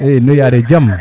i nu yaare jam